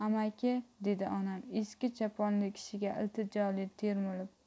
amaki dedi onam eski choponli kishiga iltijoli termilib